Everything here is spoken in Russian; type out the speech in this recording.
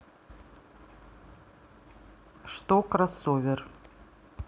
что кроссовер